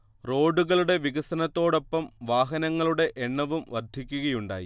റോഡുകളുടെ വികസനത്തോടൊപ്പം വാഹനങ്ങളുടെ എണ്ണവും വർധിക്കുകയുണ്ടായി